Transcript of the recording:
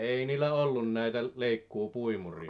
ei niillä ollut näitä leikkuupuimureita